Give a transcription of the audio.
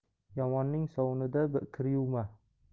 yomonning sovunida kir yuvma